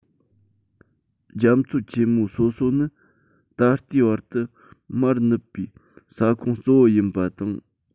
རྒྱ མཚོ ཆེན མོ སོ སོ ནི ད ལྟའི བར དུ མར ནུབ པའི ས ཁོངས གཙོ བོ ཡིན པ དང